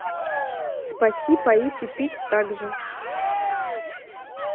спаси поите пить также